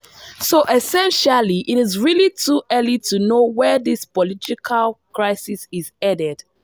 So essentially, it’s really too early to know where this political crisis is headed.